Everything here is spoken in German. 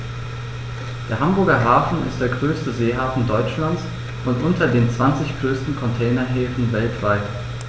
Der Hamburger Hafen ist der größte Seehafen Deutschlands und unter den zwanzig größten Containerhäfen weltweit.